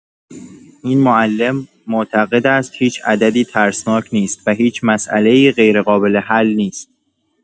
این معلم معتقد است هیچ عددی ترسناک نیست و هیچ مسئله‌ای غیرقابل حل نیست.